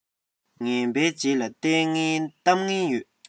ངན པའི རྗེས ལ ལྟས ངན གཏམ ངན ཡོད